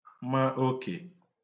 ma oke